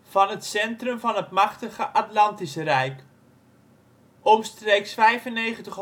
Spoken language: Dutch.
van het centrum van het machtige Atlantis-rijk. Omstreeks 9.500 voor Christus